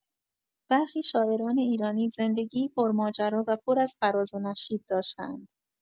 برخی شاعران ایرانی زندگی پرماجرا و پر از فراز و نشیب داشته‌اند.